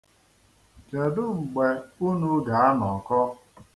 Kedu mgbe unu ga-anọkọ?